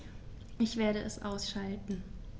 Ich werde es ausschalten